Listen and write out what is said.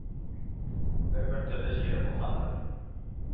Бер-бер төрле чирем булгандыр,